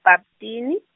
Bhabtini.